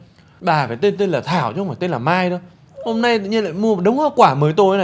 bà phải tên tên là thảo chứ không phải tên là mai đâu hôm nay tự nhiên lại mua một đống hoa quả mời tôi